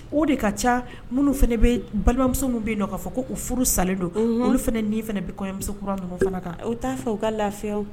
O de ka ca minnu fana bɛ balimamuso min bɛ yen nɔ k kaa fɔ ko furu salen don olu fana ni fana bɛ kɔɲɔmusokura fana kan t'a fɛ u ka lafiw